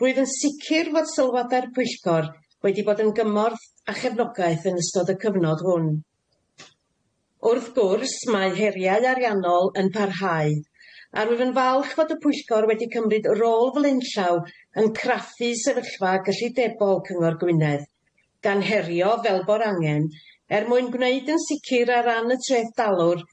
Rwyf yn sicir fod sylwadau'r Pwyllgor wedi bod yn gymorth a chefnogaeth yn ystod y cyfnod hwn.Wrth gwrs mae heriau ariannol yn parhau a rwyf yn falch fod y Pwyllgor wedi cymryd rôl flenllaw yn craffu sefyllfa gyllidebol Cyngor Gwynedd gan herio fel bo'r angen er mwyn gwneud yn sicir ar ran y traeth dalwr